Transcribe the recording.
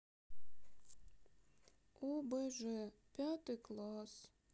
обж пятый класс